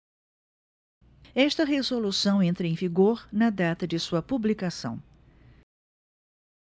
esta resolução entra em vigor na data de sua publicação